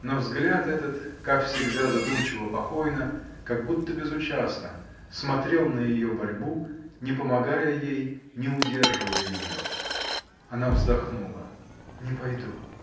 Но взгляд этот, как всегда, задумчиво-покойно, как будто безучастно смотрел на ее борьбу, не помогая ей, не удерживая ее. Она вздохнула. — Не пойду!